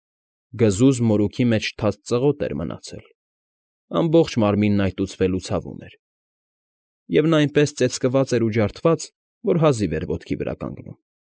Գզուզ մորուքի մեջ թաց ծղոտ էր մնացել, ամբողջ մարմինն այտուցվել ու ցավում էր, և նա այնքան ծեծված էր ու ջարդված, որ հազիվ էր ոտքի վրա կանգնում։